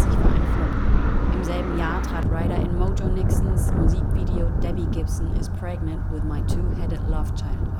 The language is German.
war ein Flop. Im selben Jahr trat Ryder in Mojo Nixons Musikvideo Debbie Gibson Is Pregnant with My Two-Headed Love Child auf